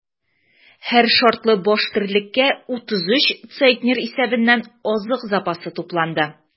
Һәр шартлы баш терлеккә 33 центнер исәбеннән азык запасы тупланды.